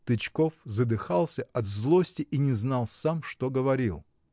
Тычков задыхался от злости и не знал сам, что говорил.